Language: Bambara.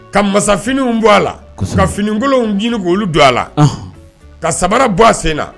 Ka masa finiw bɔ a la. Kosɛbɛ. Ka finikolonw ɲiniinin k'olu don a la. Anhan. _Ka sabara bɔ a sen na.